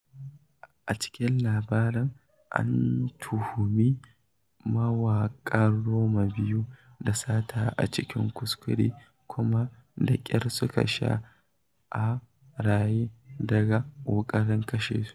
A cikin labarin, an tuhumi mawaƙan Roma biyu da sata a cikin kuskure kuma da ƙyar suka sha a raye daga ƙoƙarin kashe su.